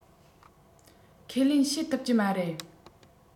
ཁས ལེན བྱེད ཐུབ ཀྱི མ རེད